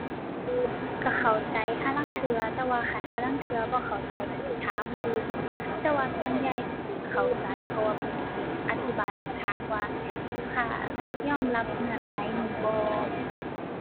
ก็เข้าใจห่าลางเทื่อ แต่ว่าคันห่าลางเทื่อบ่เข้าใจก็สิถามเพิ่น แต่ว่าส่วนใหญ่ก็สิเข้าใจ เพราะว่าเพิ่นก็สิอธิบายแล้วก็ถามว่าลูกค้ายอมรับเงื่อนไขนี้บ่